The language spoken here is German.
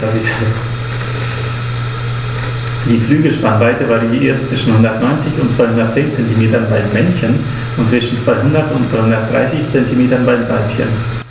Die Flügelspannweite variiert zwischen 190 und 210 cm beim Männchen und zwischen 200 und 230 cm beim Weibchen.